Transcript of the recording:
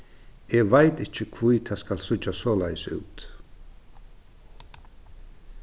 eg veit ikki hví tað skal síggja soleiðis út